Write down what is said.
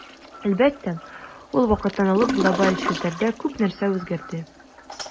Әлбәттә, ул вакыттан алып глобаль челтәрдә күп нәрсә үзгәрде.